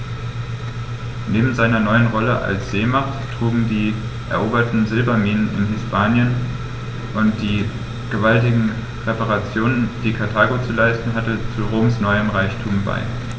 Neben seiner neuen Rolle als Seemacht trugen auch die eroberten Silberminen in Hispanien und die gewaltigen Reparationen, die Karthago zu leisten hatte, zu Roms neuem Reichtum bei.